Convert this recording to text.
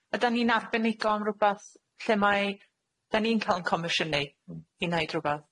Ydan ni'n arbenigo yn rwbath? Lle mae- 'dan ni'n ca'l 'yn comisiynu i neud rwbath?